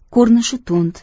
ko'rinishi tund